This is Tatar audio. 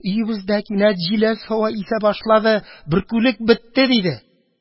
Өебездә кинәт җиләс һава исә башлады, бөркүлек бетте, – диде.